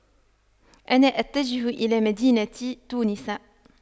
أنا أتجه الى مدينة تونس